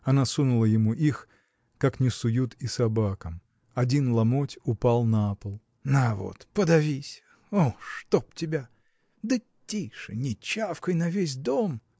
Она сунула ему их, как не суют и собакам. Один ломоть упал на пол. – На вот, подавись! О, чтоб тебя. да тише, не чавкай на весь дом.